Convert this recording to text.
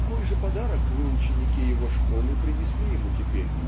какой же подарок выученики его школы принесли ему теперь